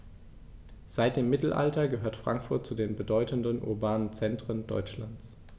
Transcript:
Seit dem Mittelalter gehört Frankfurt zu den bedeutenden urbanen Zentren Deutschlands.